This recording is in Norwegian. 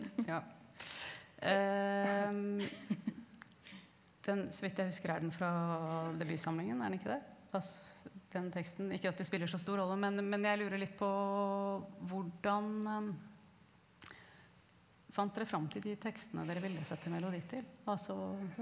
ja den så vidt jeg husker er den fra debutsamlingen er den ikke det den teksten ikke at det spiller så stor rolle men men jeg lurer litt på hvordan fant dere fram til de tekstene dere ville sette melodi til altså?